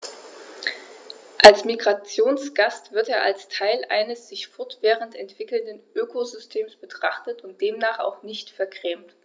Als Migrationsgast wird er als Teil eines sich fortwährend entwickelnden Ökosystems betrachtet und demnach auch nicht vergrämt.